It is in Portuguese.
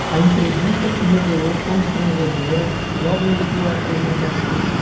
a entrevista se revelou constrangedora logo em sua apresentação